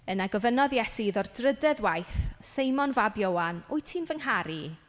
Yna gofynodd Iesu iddo'r drydedd waith Seimon fab Ioan, wyt ti'n fy ngharu i?